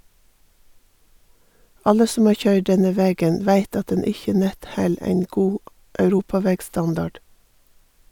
Alle som har køyrd denne vegen veit at den ikkje nett held ein god europavegstandard.